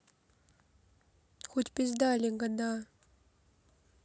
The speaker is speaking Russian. хоть пизда лига да